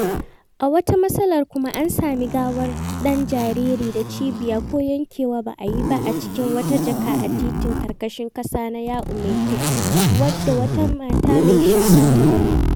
A wata matsalar kuma, an sami wata gawar ɗan jariri da cibiya ko yankewa ba a yi ba a cikin wata jaka a titin ƙarƙashin ƙasa na Yau Ma Tei wadda wata mai shara ta gani.